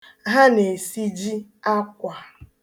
Ha na-esiji akwa.